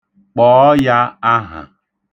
Kpọọ ya aha